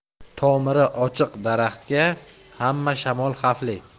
tomiri ochiq daraxtga hamma shamol xavfli